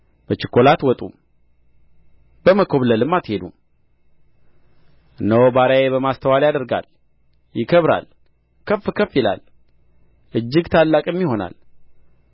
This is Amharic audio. በችኰላ አትወጡም በመኰብለልም አትሄዱም እነሆ ባሪያዬ በማስተዋል ያደርጋል ይከብራል ከፍ ከፍም ይላል እጅግ ታላቅም ይሆናል